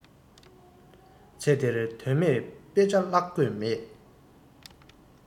ཚེ འདིར དོན མེད དཔེ ཆ བཀླག དགོས མེད